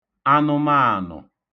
anụmaànụ̀